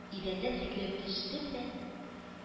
Идәндә сикереп төштем дә